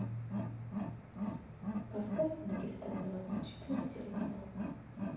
поставь дагестан двадцать четыре телеканал